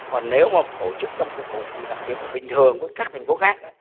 còn nếu mà tổ chức trong cuộc bầu cử đặc biệt bình thường với các thành phố khác á